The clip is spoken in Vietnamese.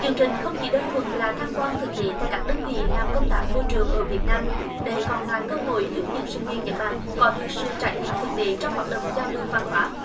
chương trình không chỉ đơn thuần là tham quan thực tế tại các đơn vị làm công tác môi trường ở việt nam đây còn là cơ hội giúp những sinh viên nhật bản có được sự trải nghiệm thực tế trong hoạt động giao lưu văn hóa